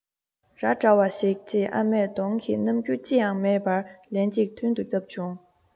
ར འདྲ བ ཞིག ཅེས ཨ མས གདོང གི རྣམ འགྱུར ཅི ཡང མེད པར ལན གཅིག མཐུན དུ བཏབ བྱུང